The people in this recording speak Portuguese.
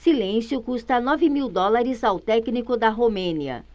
silêncio custa nove mil dólares ao técnico da romênia